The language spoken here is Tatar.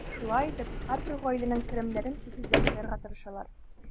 Шулай итеп, һәрбер гаиләнең керемнәрен тигезләп куярга тырышалар.